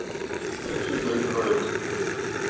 церковь святой троицы